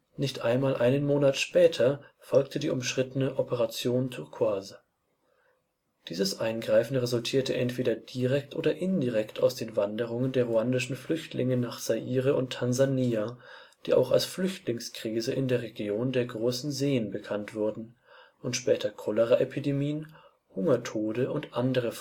Nicht einmal einen Monat später folgte die umstrittene Opération Turquoise. Dieses Eingreifen resultierte entweder direkt oder indirekt aus den Wanderungen der ruandischen Flüchtlinge nach Zaire und Tansania, die auch als „ Flüchtlingskrise in der Region der großen Seen “bekannt wurden und später Cholera-Epidemien, Hungertode und andere